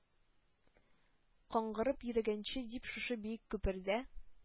Каңгырып йөргәнче дип шушы биек күпердә